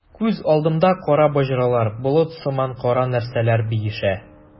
Күз алдымда кара боҗралар, болыт сыман кара нәрсәләр биешә.